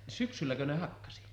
syksylläkö ne hakkasi